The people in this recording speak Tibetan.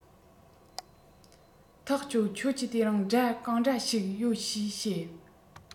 ཐག ཆོད ཁྱོད ཀྱིས དེ རིང སྒྲ གང འདྲ ཞིག ཡོད ཞེས བཤད